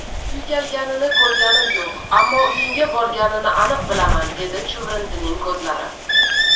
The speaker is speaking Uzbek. suykalganini ko'rganim yo'q ammo uyingga borganini aniq bilaman dedi chuvrindining ko'zlari